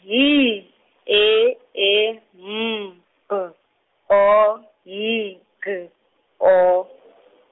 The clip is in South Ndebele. L, E, E, M, G, O, N, G, O .